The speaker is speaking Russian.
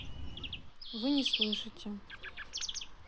вы не слышите